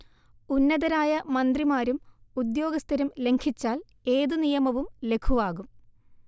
ഉന്നതരായ മന്ത്രിമാരും ഉദ്യോഗസ്ഥരും ലംഘിച്ചാൽ ഏത് നിയമവും ലഘുവാകും